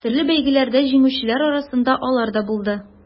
Төрле бәйгеләрдә җиңүчеләр арасында алар да булды.